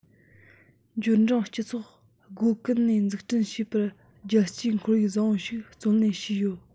འབྱོར འབྲིང སྤྱི ཚོགས སྒོ ཀུན ནས འཛུགས སྐྲུན བྱེད པར རྒྱལ སྤྱིའི ཁོར ཡུག བཟང པོ ཞིག བརྩོན ལེན བྱས ཡོད